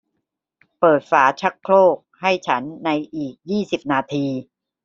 เปิดฝาชักโครกให้ฉันในอีกยี่สิบนาที